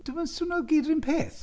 'Dyn nhw'n swno gyd yr un peth?